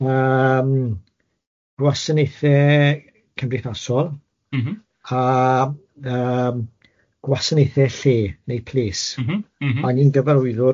Yym gwasanaethe cymdeithasol... M-hm. ...a yym gwasanaethau lle neu ples... M-hm m-hm. ...a o'n i'n gyfarwyddwr